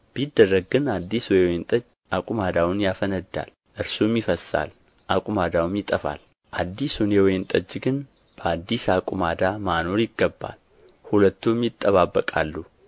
ቢደረግ ግን አዲሱ የወይን ጠጅ አቁማዳውን ያፈነዳል እርሱም ይፈሳል አቁማዳውም ይጠፋል አዲሱን የወይን ጠጅ ግን በአዲስ አቁማዳ ማኖር ይገባል ሁለቱም ይጠባበቃሉ